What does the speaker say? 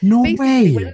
No way!